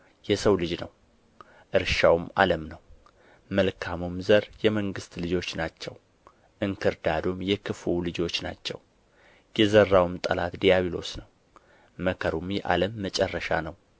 የሰው ልጅ ነው እርሻውም ዓለም ነው መልካሙም ዘር የመንግሥት ልጆች ናቸው እንክርዳዱም የክፉው ልጆች ናቸው የዘራውም ጠላት ዲያብሎስ ነው መከሩም የዓለም መጨረሻ ነው